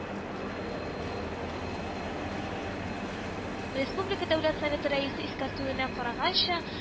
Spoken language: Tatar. Республика Дәүләт Советы Рәисе искәртүенә караганда